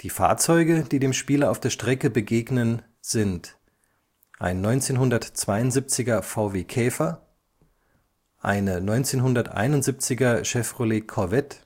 Fahrzeuge, die dem Spieler auf der Strecke begegnen, sind: 1972er VW Käfer 1971er Chevrolet Corvette